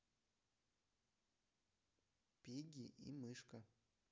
пигги и мышка